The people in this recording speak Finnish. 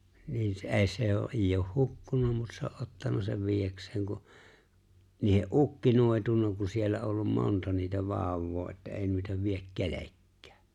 niin se ei se on ei ole hukkunut mutta se on ottanut sen viedäkseen kun niiden ukki noitunut kun siellä ollut monta niitä vauvaa että ei noita vie perkelekään